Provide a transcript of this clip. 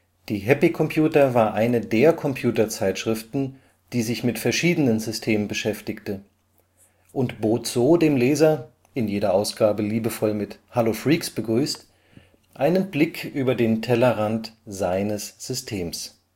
Die Happy Computer war eine der Computerzeitschriften, die sich mit verschiedenen Systemen beschäftigte, und bot so dem Leser, in jeder Ausgabe liebevoll mit „ Hallo Freaks “begrüßt, einen Blick über den Tellerrand „ seines “Systems